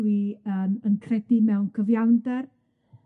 Dwi yym yn credu mewn cyfiawnder.